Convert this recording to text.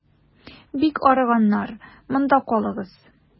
Бик арыганнар, монда калыгыз.